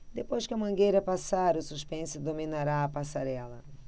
depois que a mangueira passar o suspense dominará a passarela